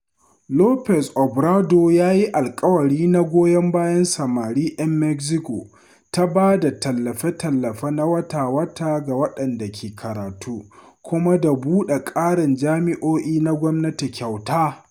Lopez Obrador ya yi alkawari na goyon bayan samari ‘yan Mexico ta ba da tallafe-tallafe na wata-wata ga waɗanda ke karatu kuma da buɗe ƙarin jami’o’i na gwamnati kyauta.